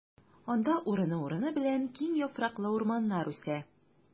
Анда урыны-урыны белән киң яфраклы урманнар үсә.